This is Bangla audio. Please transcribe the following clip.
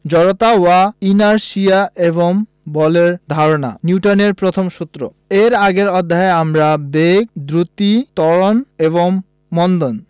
জড়তা বা ইনারশিয়া এবং বলের ধারণা নিউটনের প্রথম সূত্র এর আগের অধ্যায়ে আমরা বেগ দ্রুতি ত্বরণ এবং মন্দন